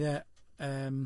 Ie yym.